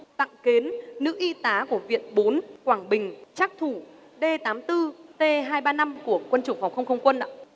tặng kến nữ y tá của viện bốn quảng bình trắc thủ dê tám tư tê hai ba năm của quân chủng phòng không không quân ạ